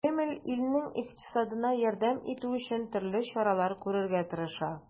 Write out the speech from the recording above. Кремль илнең икътисадына ярдәм итү өчен төрле чаралар күрергә тырыша.